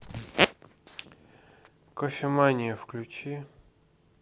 кофеманию включи